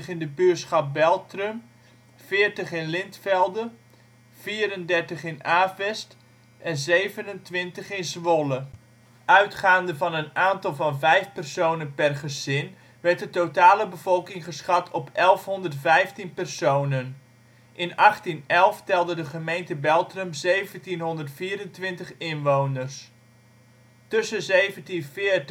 in de buur­schap Beltrum, veertig in Lintvelde, vierendertig in Avest en zevenentwintig in Zwolle. Uitgaande van een aantal van 5 personen per gezin werd de totale bevolking geschat op 1115 personen. In 1811 telde de gemeente Beltrum 1724 inwoners. Tussen 1740 en 1770